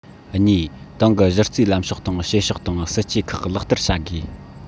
གཉིས ཏང གི གཞི རྩའི ལམ ཕྱོགས དང བྱེད ཕྱོགས དང སྲིད ཇུས ཁག ལག བསྟར བྱ དགོས